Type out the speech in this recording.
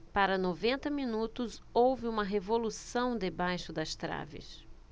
para noventa minutos houve uma revolução debaixo das traves